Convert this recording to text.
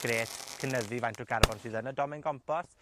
grêt. Cynyddu faint o garbon sydd yn y domen gompost.